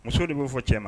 Muso de b'o fɔ cɛ ma